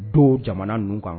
Don jamana ninnu kan